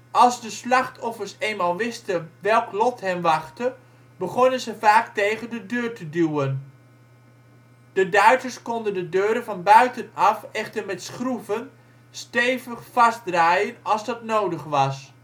Als de slachtoffers eenmaal wisten welk lot hen wachtte, begonnen ze vaak tegen de deur te duwen. De Duitsers konden de deuren van buitenaf echter met schroeven stevig vastdraaien als dat nodig was